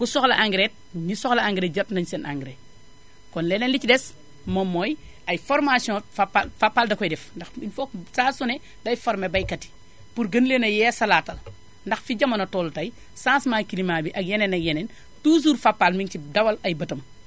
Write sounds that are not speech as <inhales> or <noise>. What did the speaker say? ku soxla engrais it ñi soxla engrais jot nañu seen engrais kon leneen li ci des moom mooy ay formations Fapal dakoy def ndax il faut que saa su ne day formé <noise> baykat yi pour gën leen a yeesalaatal <noise> ndax fi jamono toll tay changement climat bi ak yeneen ak yeneen <inhales> toujours Fapal mi ngi si dawal ay bëtam